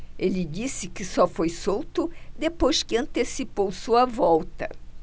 ele disse que só foi solto depois que antecipou sua volta